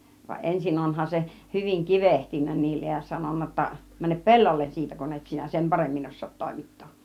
vaan ensin onhan se hyvin kivehtinyt niille ja sanonut jotta mene pellolle siitä kun et sinä sen paremmin osaa toimittaa